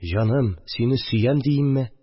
Җаным, сине сөям» диимме